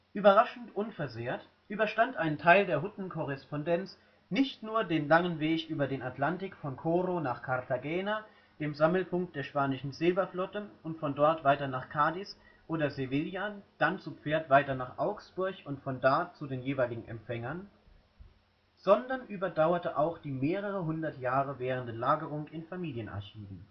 Überraschend unversehrt überstand ein Teil der Hutten-Korrespondenz nicht nur den langen Weg über den Atlantik von Coro nach Cartagena, dem Sammelpunkt der spanischen Silberflotte und von dort weiter nach Cádiz oder Sevilla, dann zu Pferd weiter nach Augsburg und von da zu den jeweiligen Empfängern, sondern überdauerte auch die mehrere hundert Jahre währende Lagerung in Familienarchiven